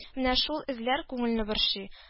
Менә шул эзләр күңелне борчый